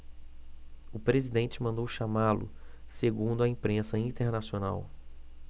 o presidente mandou chamá-lo segundo a imprensa internacional